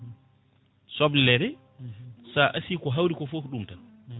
slblere sa aasi ko hawri ko foof ko ɗum tan